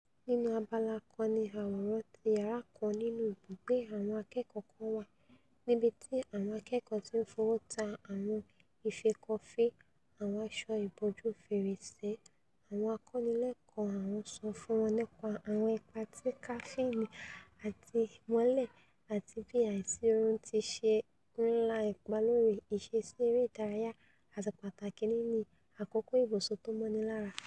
nínú abala kan ni àwòrán tí yàrá kan nínú ibùgbé àwọn akẹ́kọ̀ọ́ kan wa, níbití àwọn akẹ́kọ̀ọ́ ti ńfọwọ́ ta àwọn ife kọfí, àwọn asọ ìbòju fèrèsé, àwọn akọ́nilẹ́kọ̀ọ́ àwọn sọ fún wọn nípa àwọn ipa ti kafínìnnì àti ìmọ́lẹ̀ àti bí àìsí oorun tiṣe nla ipa lórí ìṣeṣí eré ìdárayá, àti pàtàkì níní àkókó ibùsùn tómọ́nilára.